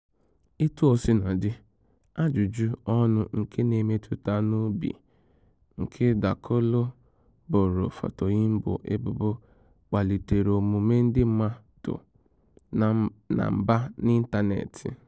Etuosinadị, ajụju ọnụ nke na-emetụta n'obi nke Dakolo boro Fatoyinbo ebubo kpalitere omume ndị mmadụ na mba n'ịntaneetị.